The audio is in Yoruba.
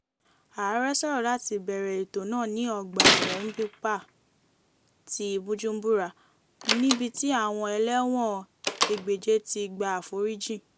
Ààrẹ sọ̀rọ̀ láti bẹ̀rẹ̀ ètò náà ní ọgbà ẹ̀wọ̀n Mpinba ti Bujumbura, níbi tí àwọn ẹlẹ́wọ̀n 1,400 ti gba àforíjìn.